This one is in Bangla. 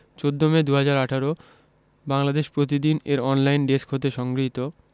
১৪মে ২০১৮ বাংলাদেশ প্রতিদিন এর অনলাইন ডেস্ক হতে সংগৃহীত